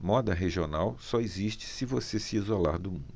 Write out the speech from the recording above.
moda regional só existe se você se isolar do mundo